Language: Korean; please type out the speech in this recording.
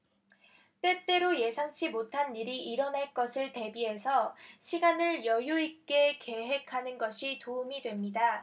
때때로 예상치 못한 일이 일어날 것을 대비해서 시간을 여유 있게 계획하는 것이 도움이 됩니다